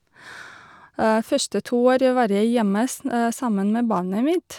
Første to år var jeg hjemme s sammen med barnet mitt.